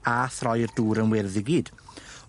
a throi'r dŵr yn wyrdd i gyd.